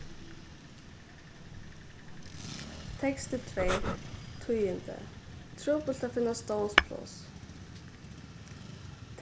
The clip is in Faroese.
tekstur tvey tíðindi trupult at finna stovnspláss